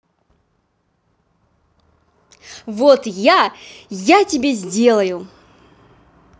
вот я я тебе сделаю